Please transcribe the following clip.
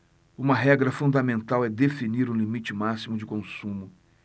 uma regra fundamental é definir um limite máximo de consumo